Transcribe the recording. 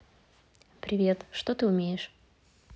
привет что ты умеешь